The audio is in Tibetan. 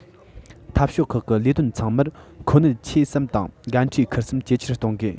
འཐབ ཕྱོགས ཁག གི ལས དོན ཚང མར མཁོ གནད ཆེ སེམས དང འགན འཁྲིའི འཁུར སེམས ཇེ ཆེར གཏོང དགོས